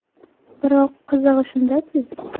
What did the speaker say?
biroq qizig'i shundaki